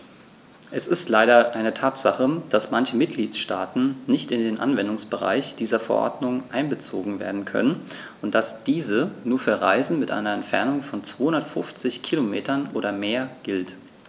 Es ist leider eine Tatsache, dass manche Mitgliedstaaten nicht in den Anwendungsbereich dieser Verordnung einbezogen werden können und dass diese nur für Reisen mit einer Entfernung von 250 km oder mehr gilt.